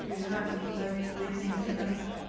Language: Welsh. Dwi yr un fath, ond rhaid...rhaid i ni anghytuno'n rhaid?